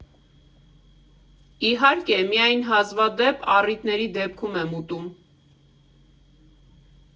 Իհարկե, միայն հազվադեպ՝ առիթների դեպքում եմ ուտում։